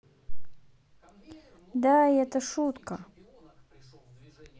дай это шутка